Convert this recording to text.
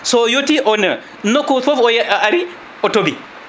so yetti on nokku foof o a ari o tooɓi